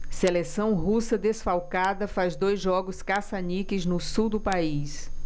seleção russa desfalcada faz dois jogos caça-níqueis no sul do país